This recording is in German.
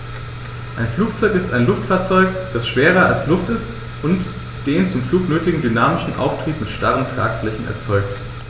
Ein Flugzeug ist ein Luftfahrzeug, das schwerer als Luft ist und den zum Flug nötigen dynamischen Auftrieb mit starren Tragflächen erzeugt.